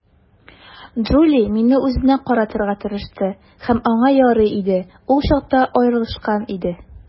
Джули мине үзенә каратырга тырышты, һәм аңа ярый иде - ул чакта аерылышкан иде.